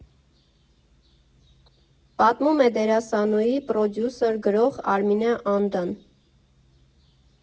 Պատմում է դերասանուհի, պրոդյուսեր, գրող Արմինե Անդան։